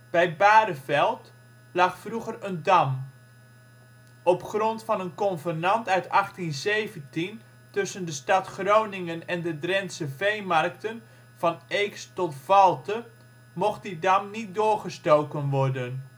Bij Bareveld lag vroeger een dam. Op grond van een convenant uit 1817 tussen de stad Groningen en de Drentse veenmarken van Eext tot Valthe mocht die dam niet doorgestoken worden